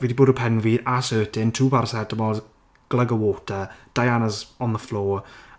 Fi di bwrw pen fi ass hurting two paracetamols, glug of water. Diana's on the floor.